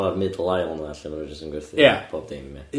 O, y middle aisle 'na, lle ma' nhw jyst yn gwerthu... Ia. ...pob dim ia.